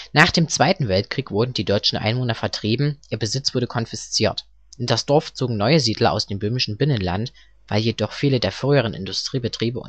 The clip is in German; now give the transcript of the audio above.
Nach dem Zweiten Weltkrieg wurden die deutschen Einwohner vertrieben, ihr Besitz wurde konfisziert. In das Dorf zogen neue Siedler aus dem böhmischen Binnenland; weil jedoch viele der früheren Industriebetriebe